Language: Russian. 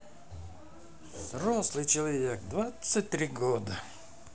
взрослый человек двадцать три года